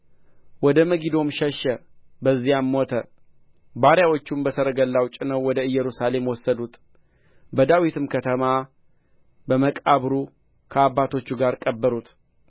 ወደ መጊዶም ሸሸ በዚያም ሞተ ባሪያዎቹም በሰረገላው ጭነው ወደ ኢየሩሳሌም ወሰዱት በዳዊትም ከተማ በመቃብሩ ከአባቶቹ ጋር ቀበሩት